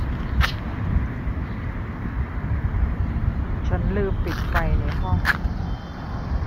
ฉันลืมปิดไฟในห้อง